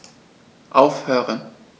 Aufhören.